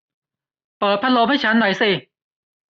เปิดพัดลมให้ฉันหน่อยสิ